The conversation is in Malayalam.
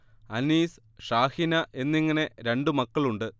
അനീസ് ഷാഹിന എന്നിങ്ങനെ രണ്ട് മക്കളുണ്ട്